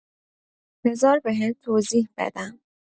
بذار بهت توضیح بدم